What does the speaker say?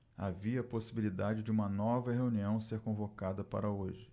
havia possibilidade de uma nova reunião ser convocada para hoje